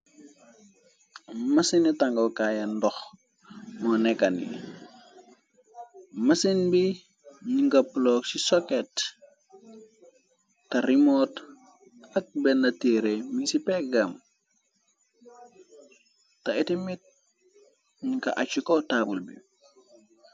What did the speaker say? Masini tangokaaya ndox moo nekkal ni masin bi nu nga ploog ci soket te rimot ak benn tére mi ci peggam te iti mit ñu nga acc ko taabul bi.